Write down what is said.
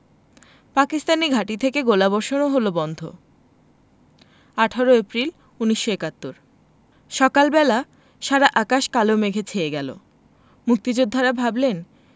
পাকিস্তানি ঘাঁটি থেকে গোলাবর্ষণও হলো বন্ধ ১৮ এপ্রিল ১৯৭১ সকাল বেলা সারা আকাশ কালো মেঘে ছেয়ে গেল মুক্তিযোদ্ধারা ভাবলেন